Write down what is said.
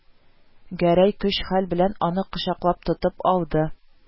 Гәрәй көч-хәл белән аны кочаклап тотып алды